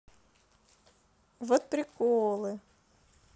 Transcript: вот приколы